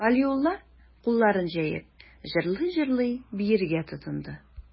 Галиулла, кулларын җәеп, җырлый-җырлый биергә тотынды.